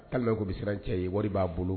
Hali n'a kun bɛ siran cɛ ɲɛ wari b'a bolo.